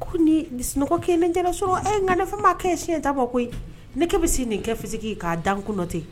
Ko ni sunɔgɔ kelen ni jala s nka ne fɛn ma kɛ siɲɛ ta ma ne e bɛ se nin kɛfisigi k'a dan kun ten